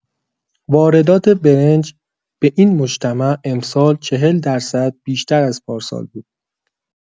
واردات برنج به این مجتمع امسال ۴۰ درصد بیشتر از پارسال بود.